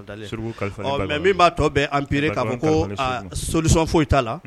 Mɛ min b'a tɔ bɛ anpiiriere k'a ko sosɔn foyi t'a la